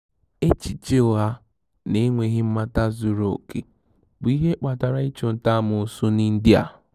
Echiche ụgha na enweghị mmata zuru okè bụ ihe kpatara ịchụnta amoosu na India